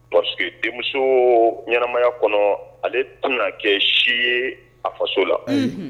P que denmuso ɲɛnamaya kɔnɔ ale tun kɛ si ye a faso la